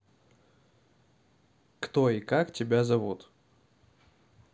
кто и как тебя зовут